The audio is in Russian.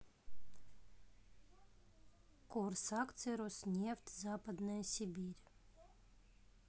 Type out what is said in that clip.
курс акций роснефть западная сибирь